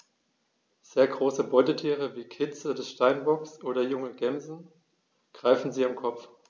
Sehr große Beutetiere wie Kitze des Steinbocks oder junge Gämsen greifen sie am Kopf.